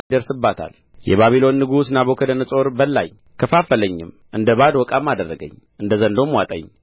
ይደርስባታል የባቢሎን ንጉሥ ናቡከደነፆር በላኝ ከፋፈለኝም እንደ ባዶ ዕቃም አደረገኝ እንደ ዘንዶም ዋጠኝ